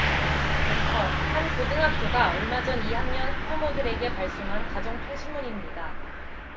앵커 한 고등학교가 얼마 전 이 학년 학부모들에게 발송한 가정통신문입니다